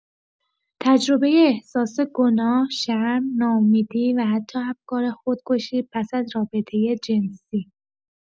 تجربه احساس گناه، شرم، ناامیدی و حتی افکار خودکشی پس از رابطه جنسی